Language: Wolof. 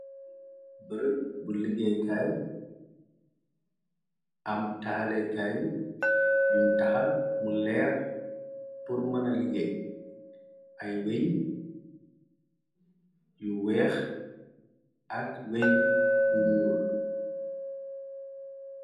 Bërëg bu liggéekaay am taxalekaay yun taxal mu leex pur mëna liggée ay weñ yu weex ak weñ yu ñyuul.